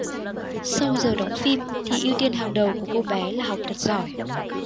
sau giờ đóng phim thì ưu tiên hàng đầu của cô bé là học thật giỏi